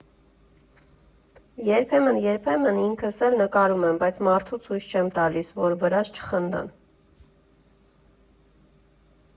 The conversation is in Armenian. Երբեմն֊երբեմն ինքս էլ նկարում եմ, բայց մարդու ցույց չեմ տալիս, որ վրաս չխնդան։